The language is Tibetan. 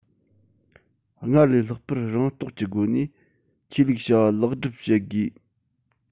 སྔར ལས ལྷག པར རང རྟོགས ཀྱི སྒོ ནས ཆོས ལུགས བྱ བ ལེགས སྒྲུབ བྱེད དགོས